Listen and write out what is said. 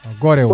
waaw goore way